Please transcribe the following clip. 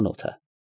Անծանոթը։